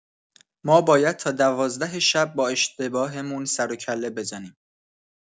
ما باید تا دوازده شب با اشتباهمون سروکله بزنیم.